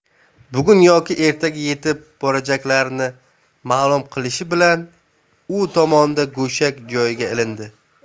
bugun yoki ertaga yetib borajaklarini ma'lum qilishi bilan u tomonda go'shak joyiga ilindi